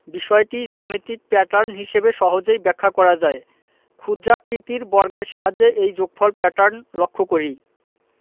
বিষয়টি জ্যামিতিক প্যাটার্ন হিসেবে সহজেই ব্যাখ্যা করা যায় ক্ষুদ্রাকৃতির বর্গের সাহায্যে এই যোগফল প্যাটার্ন লক্ষ করি